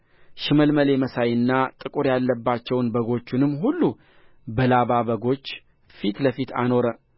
ሽመልመሌ መሳይና ጥቁር ያለባቸውን በጎቹንም ሁሉ በላባ በጎች ፊት ለፊት አኖረ